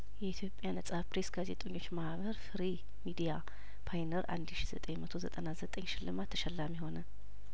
የኢትዮጵያ ነጻ ፐሬስ ጋዜጠኞች ማህበር ፍሪ ሚዲያፓይነር አንድ ሺ ዘጠኝ መቶ ዘጠና ዘጠኝ ሽልማት ተሸላሚ ሆነ